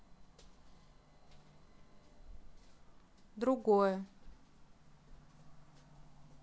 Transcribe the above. другое